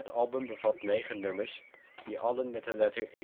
album bevat negen nummers die allen met de letter